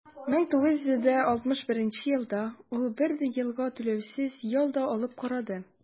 1961 елда ул бер елга түләүсез ял да алып карады.